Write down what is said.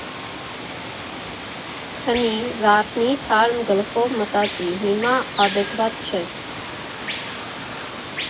Քնի, զարթնի, թարմ գլխով մտածի, հիմա ադեկվատ չես։